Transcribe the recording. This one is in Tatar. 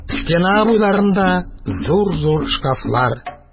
Стена буйларында зур-зур шкафлар.